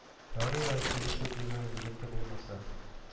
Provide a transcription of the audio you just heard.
Ярый ла сөешеп йөргән егете булмаса